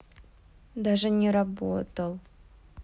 даже не работал